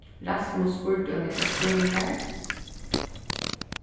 rasmus spurdi ov nógvar spurningar